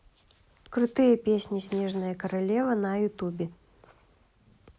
крутые песни снежная королева на ютубе